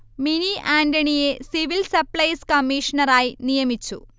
mini ആന്റണിയെ civil supplies കമീഷണറായി നിയമിച്ചു